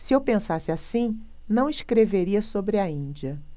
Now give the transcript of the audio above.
se eu pensasse assim não escreveria sobre a índia